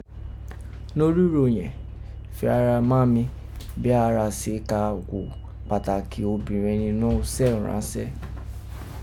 norígho yẹ̀n , fi ara má mi bi a ra se ka ghò Pataki obìrẹn ninọ́ usẹ iranse.